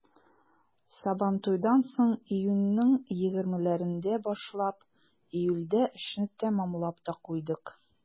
Сабантуйдан соң, июньнең 20-ләрендә башлап, июльдә эшне тәмамлап та куйдык.